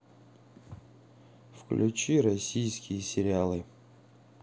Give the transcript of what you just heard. включи российские сериалы